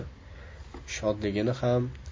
shodligini ham